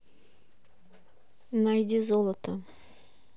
найди золото